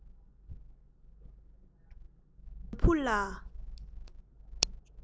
ལམ བུ ལ